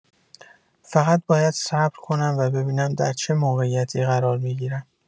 فقط باید صبر کنم و ببینم در چه موقعیتی قرار می‌گیرم.